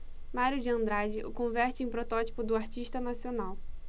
mário de andrade o converte em protótipo do artista nacional